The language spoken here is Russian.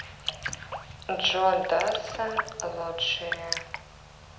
джо дассен лучшее